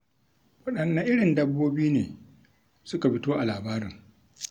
Waɗanne irin dabbobi ne suka fito a labarin?,